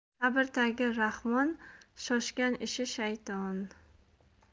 sabr tagi rahmon shoshgan ishi shayton